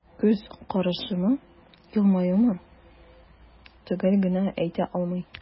Күз карашымы, елмаюмы – төгәл генә әйтә алмыйм.